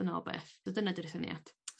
yna o beth dy- dyna di'r syniad.